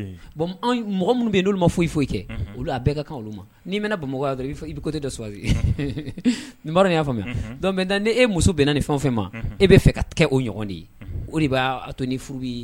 Mɔgɔ minnu bɛ ma foyi foyi bɛɛ ka ni'i bɛna bamakɔ i ko tɛ dawa y'a faamuya ni e muso bɛnna ni fɛn fɛn ma e'a fɛ ka kɛ o ɲɔgɔn de ye o de b'a ni furu ye